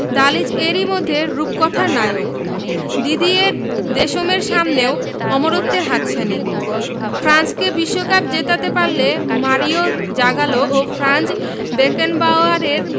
Dalic এরই মধ্যে রূপকথার নায়ক দিদিয়ের দেশমের সামনেও অমরত্বের হাতছানি ফ্রান্সকে বিশ্বকাপ জেতাতে পারলে মারিও জাগালো ও ফ্রাঞ্জ বেকেনবাওয়ারের